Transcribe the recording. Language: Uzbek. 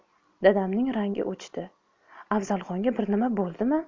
dadamning rangi o'chdi afzalxonga bir nima bo'ldimi